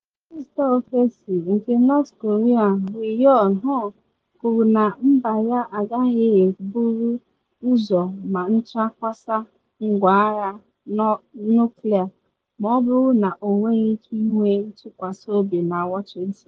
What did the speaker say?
Minista Ofesi nke North Korea Ri Yong Ho kwuru na mba ya agaghị eburu ụzọ ma ncha kwasaa ngwa agha nuklịa ma ọ bụrụ na ọ nweghị ike ịnwe ntụkwasị obi na Washington.